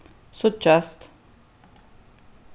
síggjast